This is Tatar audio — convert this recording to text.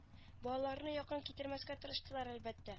Балаларны якын китермәскә тырыштылар әлбәттә